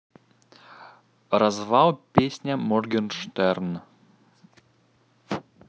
развал песня morgenshtern